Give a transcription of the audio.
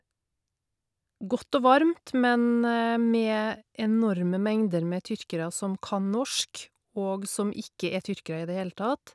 Godt og varmt, men med enorme mengder med tyrkere som kan norsk, og som ikke er tyrkere i det hele tatt.